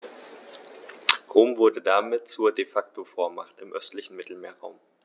Rom wurde damit zur ‚De-Facto-Vormacht‘ im östlichen Mittelmeerraum.